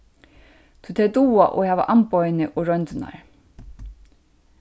tí tey duga og hava amboðini og royndirnar